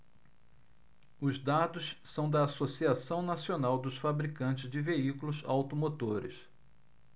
os dados são da anfavea associação nacional dos fabricantes de veículos automotores